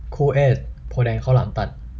คู่เอซโพธิ์แดงข้าวหลามตัด